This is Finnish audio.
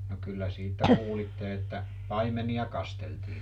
no kyllä siitä kuulitte että paimenia kasteltiin